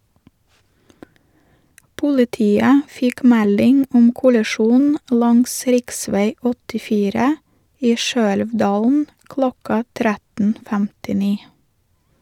Politiet fikk melding om kollisjonen langs riksvei 84 i Skøelvdalen klokka 13.59.